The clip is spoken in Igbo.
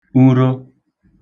uro